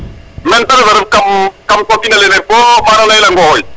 mene te refna ref kam pop ina lene bo mana leyel a Ngokhogne